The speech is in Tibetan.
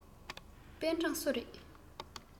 པེན ཀྲང སུ རེད